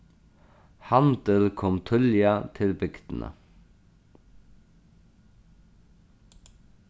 handil kom tíðliga til bygdina